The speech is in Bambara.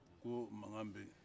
ko mankan bɛ yen